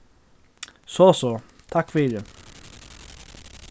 so so takk fyri